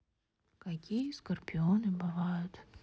какие скорпионы бывают